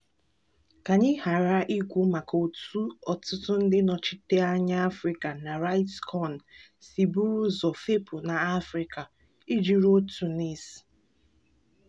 Ka anyị ghara ikwu maka otu ọtụtụ ndị nnọchiteanya Afrịka na RightsCon si buru ụzọ fepụ n'Afrịka, iji ruo Tunis.